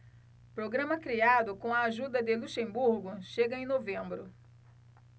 programa criado com a ajuda de luxemburgo chega em novembro